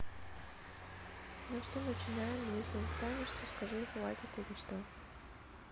ну что начинаем если устанешь то скажи хватит или что